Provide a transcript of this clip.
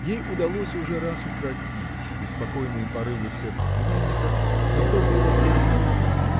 Ей удалось уже раз укротить беспокойные порывы в сердце племянника но то было в деле любви.